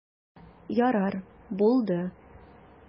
Ярар, булды.